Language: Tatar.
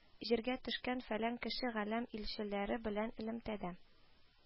Җиргә төшкән, фәлән кеше галәм илчеләре белән элемтәдә